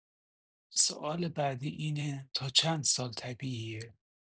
و سوال بعدی اینه تا چند سال طبیعیه؟